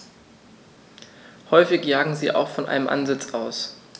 Häufig jagen sie auch von einem Ansitz aus.